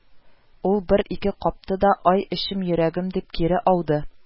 Ул бер-ике капты да, "ай эчем, йөрәгем", – дип кире ауды